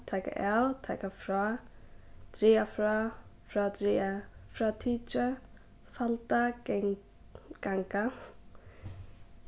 taka av taka frá draga frá frádrigið frátikið falda ganga